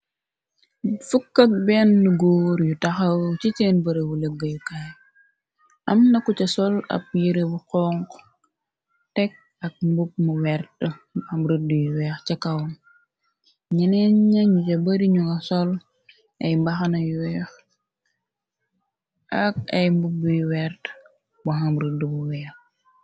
Fukak bennu góor yu taxaw ci seen bërëbu lëggayukaay am naku ca sol ab yirebu xong tekk km ridd ca kawam ñenee ñañu ca bari ñu nga sol ak ay mbubbuy wert bu hamridd bu weex.